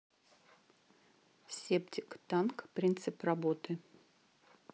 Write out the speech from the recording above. септик танк принцип работы